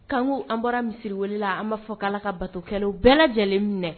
Kan an bɔra misiriw la an b'a fɔ' ala ka batokɛlaw bɛɛ lajɛlen minɛ